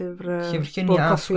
Llyfr bwrdd coffi.